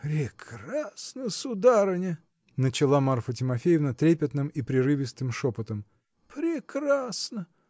-- Прекрасно, сударыня, -- начала Марфа Тимофеевна трепетным и прерывистым шепотом, -- прекрасно!